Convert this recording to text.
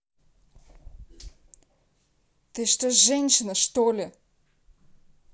ты что женщина что ли